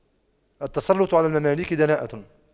التسلُّطُ على المماليك دناءة